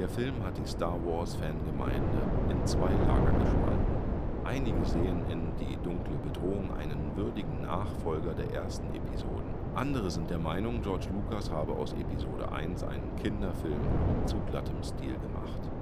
Film hat die Star-Wars-Fangemeinde in zwei Lager gespalten: einige sehen in „ Die dunkle Bedrohung “einen würdigen Nachfolger der ersten Episoden, andere sind der Meinung, George Lucas habe aus Episode I einen Kinderfilm mit zu glattem Stil gemacht